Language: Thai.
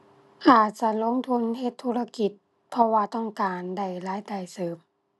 อาจจะลงทุนเฮ็ดธุรกิจ เพราะว่าต้องการได้รายได้เสริม